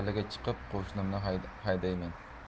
chiqib qo'shimni haydaymen